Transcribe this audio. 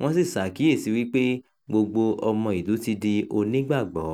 wọ́n sì ṣàkíyèsí wípé gbogbo ọmọ ìlú ti di ònígbàgbọ́.